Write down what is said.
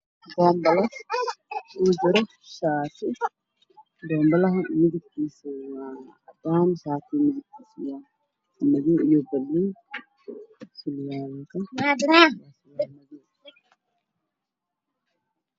Waa boonbalo iyo shaati. Boonbaluhu waa cadaan, shaatigu waa madow iyo buluug.